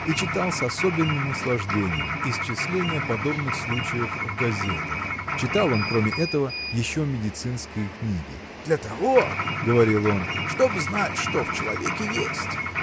и читал с особенным наслаждением исчисление подобных случаев в газетах. Читал он кроме этого еще медицинские книги для того говорил он чтоб знать что в человеке есть.